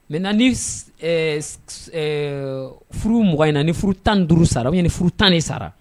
Mɛ ni furu m in na ni furu tan duuru sara ni furu tan ni sara